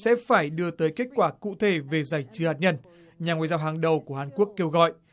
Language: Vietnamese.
sẽ phải đưa tới kết quả cụ thể về giải trừ hạt nhân nhà ngoại giao hàng đầu của hàn quốc kêu gọi